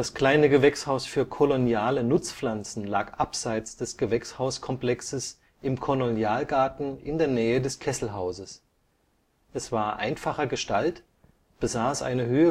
kleine Gewächshaus für koloniale Nutzpflanzen lag abseits des Gewächshauskomplexes im Kolonialgarten in der Nähe des Kesselhauses. Es war einfacher Gestalt, besaß eine